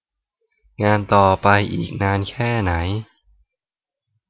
งานต่อไปอีกนานแค่ไหน